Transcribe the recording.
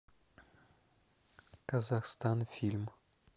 казахстан фильм